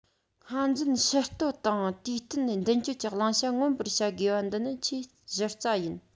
སྔ འཛིན ཕྱི གཏོད དང དུས བསྟུན མདུན སྐྱོད ཀྱི བླང བྱ མངོན པར བྱ དགོས པ འདི ནི ཆེས གཞི རྩ ཡིན